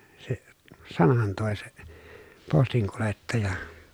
se sanan toi se postinkuljettaja